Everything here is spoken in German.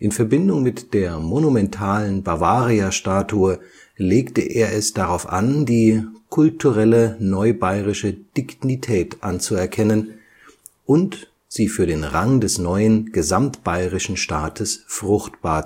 Verbindung mit der monumentalen Bavaria-Statue legte er es darauf an, die „ kulturelle neubayerische Dignität “anzuerkennen und „ sie für den Rang des neuen, gesamtbayerischen Staates fruchtbar